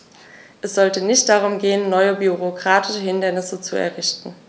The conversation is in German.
Es sollte nicht darum gehen, neue bürokratische Hindernisse zu errichten.